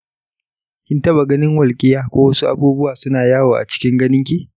kin taɓa ganin walƙiya ko wasu abubuwa suna yawo a cikin ganinki?